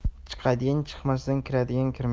chiqadigan chiqmasdan kiradigan kirmaydi